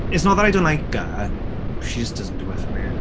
It's not that I don't like her, she just doesn't do it for me.